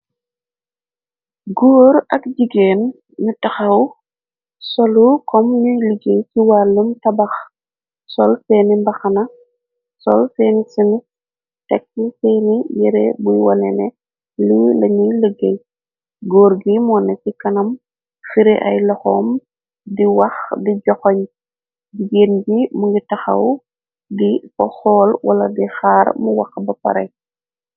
Góor ak jigéen nu taxaw solu kom ñuy liggéey ci wàllum tabax sool feeni mbaxana sol feen ci ni tekk feeni yere buy wanene luy lañuy lëggéey góor gi mone ci kanam firi ay loxoom di wax di joxoñ jigéen bi mu ngi taxaw gi ka xool wala di xaar mu wax ba pare.